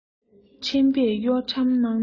འཕྲིན པས གཡོ ཁྲམ ནང ནས